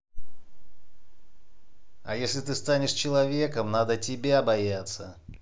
а если ты станешь человеком надо тебя бояться